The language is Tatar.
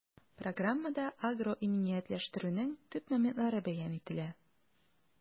Программада агроиминиятләштерүнең төп моментлары бәян ителә.